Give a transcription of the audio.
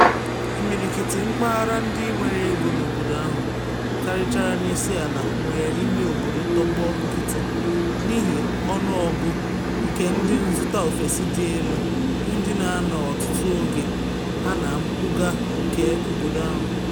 Imirikiti mpaghara ndị nwere ego n’obodo ahụ - karịchara n’isi ala - nwere “ime obodo tọgbọ nkịtị” n’ihi ọnụọgụ nke ndị nzụta ofesi dị elu, ndị na anọ ọtụtụ oge ha na mpụga nke obodo ahụ.